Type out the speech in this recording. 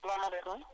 salaamaaleykum